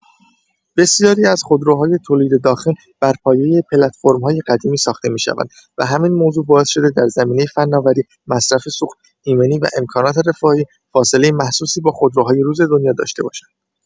بسیاری از خودروهای تولید داخل بر پایه پلتفرم‌های قدیمی ساخته می‌شوند و همین موضوع باعث شده در زمینه فناوری، مصرف سوخت، ایمنی و امکانات رفاهی فاصله محسوسی با خودروهای روز دنیا داشته باشند.